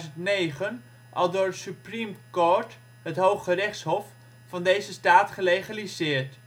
2009 al door het Supreme Court (Hooggerechtshof), van deze staat, gelegaliseerd